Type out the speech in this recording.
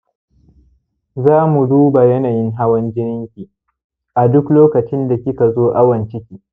zamu duba yanayin hawan jininki a duk lokacin da kika zo awon ciki